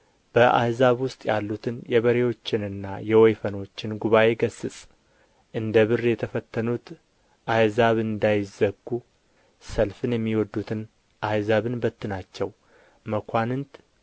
በአሕዛብ ውስጥ ያሉትን የበሬዎችንና የወይፈኖችን ጉባኤ ገሥጽ እንደ ብር የተፈተኑት አሕዛብ እንዳይዘጉ ሰልፍን የሚወድዱትን አሕዛብን በትናቸው መኳንንት